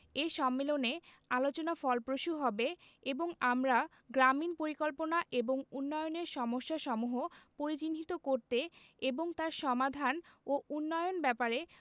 এ সম্মেলনে আলোচনা ফলপ্রসূ হবে এবং আমরা গ্রামীন পরিকল্পনা এবং উন্নয়নের সমস্যাসমূহ পরিচিহ্নিত করতে এবং তার সমাধান ও উন্নয়ন ব্যাপারে